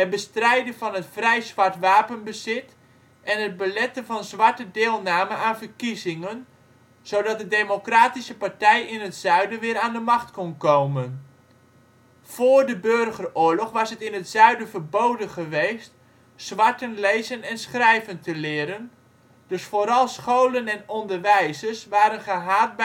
bestrijden van het vrij zwart wapenbezit en het beletten van zwarte deelname aan verkiezingen, zodat de Democratische partij in het Zuiden weer aan de macht kon komen. Voor de burgeroorlog was het in het Zuiden verboden geweest zwarten lezen en schrijven te leren, dus vooral scholen en onderwijzers waren gehaat